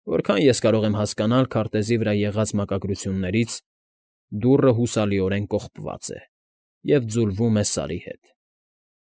Որքան ես կարող եմ հասկանալ քարտեզի վրա եղած մակագրություններից, դուռը հուսալիորեն կողպված է և ձուլվում է Սարի հետ։